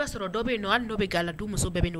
I b'a sɔrɔ dɔ bɛ ninnu an n don bɛ nkalon du muso bɛ